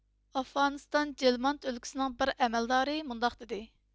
ئافغانىستان جېلماند ئۆلكىسىنىڭ بىر ئەمەلدارى مۇنداق دېدى